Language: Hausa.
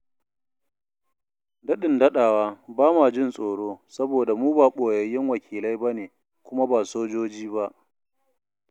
Daɗin daɗawa, ba ma jin tsoro, saboda mu ba ɓoyayyun wakilai ba ne kuma ba sojoji ba